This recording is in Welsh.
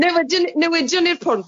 Newidion newidion i'r pwnc.